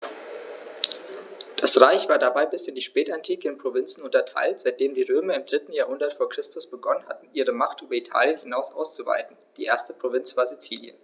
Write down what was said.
Das Reich war dabei bis in die Spätantike in Provinzen unterteilt, seitdem die Römer im 3. Jahrhundert vor Christus begonnen hatten, ihre Macht über Italien hinaus auszuweiten (die erste Provinz war Sizilien).